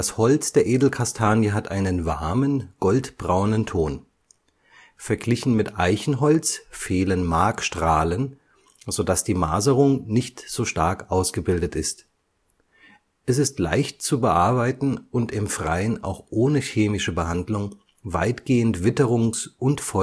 Holz der Edelkastanie hat einen warmen, goldbraunen Ton. Verglichen mit Eichenholz fehlen Markstrahlen, so dass die Maserung nicht so stark ausgebildet ist. Es ist leicht zu bearbeiten und im Freien auch ohne chemische Behandlung weitgehend witterungs - und fäulnisbeständig